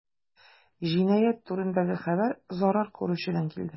Җинаять турындагы хәбәр зарар күрүчедән килде.